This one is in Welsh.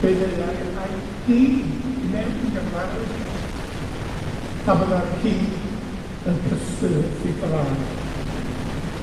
fe ddeuai ai gi i mewn i'r ddarlith a bydda'r ci yn cysgu wrth 'i draed.